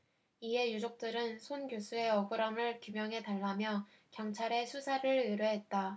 이에 유족들은 손 교수의 억울함을 규명해 달라며 경찰에 수사를 의뢰했다